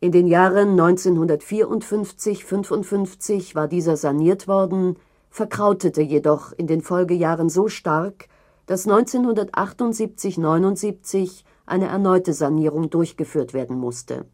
den Jahren 1954 / 55 war dieser saniert worden, verkrautete jedoch in den Folgejahren so stark, dass 1978 / 79 eine erneute Sanierung durchgeführt werden musste